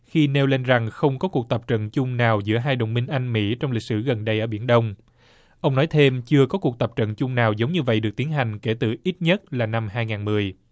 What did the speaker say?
khi nêu lên rằng không có cuộc tập trận chung nào giữa hai đồng minh anh mỹ trong lịch sử gần đây ở biển đông ông nói thêm chưa có cuộc tập trận chung nào giống như vầy được tiến hành kể từ ít nhất là năm hai ngàn mười